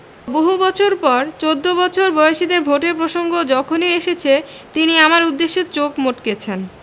বহু বছর পর চৌদ্দ বছর বয়সীদের ভোটের প্রসঙ্গ যখনই এসেছে তিনি আমার উদ্দেশে চোখ মটকেছেন